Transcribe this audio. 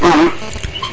axa